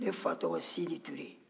ne fa tɔgɔ sidi ture